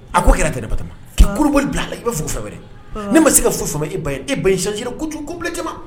A ko kira kɛnɛba kulubali bila a la i bɛ f'o fɛ wɛrɛ dɛ ne ma se ka fo faama e ba ye e ba sse ko kojugu ko bilakɛ